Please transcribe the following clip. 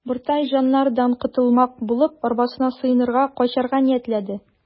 Буртай жандардан котылмак булып, арбасына сыенырга, качарга ниятләде.